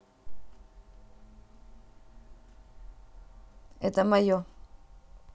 это мое